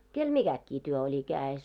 kenellä mikäkin työ oli kädessä